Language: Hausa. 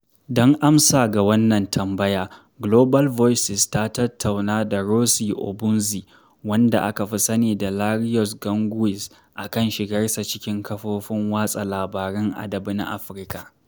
Don amsa ga wannan tambaya, Global Voices ta tattauna da Réassi Ouabonzi, wanda aka fi sani da Lareus Gangoueus, akan shigarsa cikin kafofin watsa labarun adabi na Afirka.